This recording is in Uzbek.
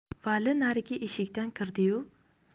vali narigi eshikdan kirdi yu